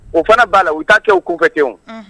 O fana b'a la u taa kɛ o'u kɛ kɛ